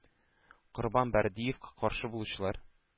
Корбан Бәрдыевка каршы булучылар